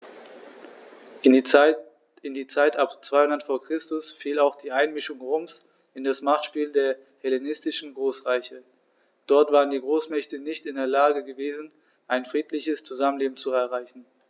In die Zeit ab 200 v. Chr. fiel auch die Einmischung Roms in das Machtspiel der hellenistischen Großreiche: Dort waren die Großmächte nicht in der Lage gewesen, ein friedliches Zusammenleben zu erreichen.